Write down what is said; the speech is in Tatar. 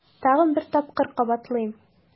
Тагын бер тапкыр кабатлыйм: